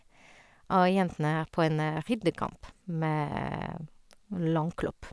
Og jentene er på en ridecamp med Langklopp.